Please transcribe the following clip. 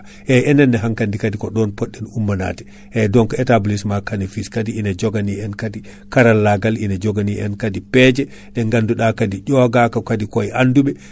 eyyi enenne hankkadi kaadi ko ɗon podɗen ummanade eyyi donc établissement Kane et fils kaadi ina jogani en kaadi karallagal ina jogani en kaadi peeje ɗe ganduɗa kaadi ƴoga kaadi koye anduɓe